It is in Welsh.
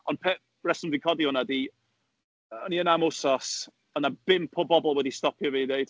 Ond peth, rheswm dwi'n codi hwnna ydy, yy o'n i yna am wsos, a oedd 'na bump o bobl wedi stopio fi i ddeud...